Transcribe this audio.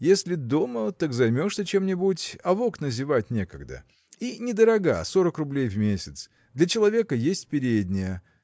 если дома, так займешься чем-нибудь, а в окна зевать некогда. И недорога – сорок рублей в месяц. Для человека есть передняя.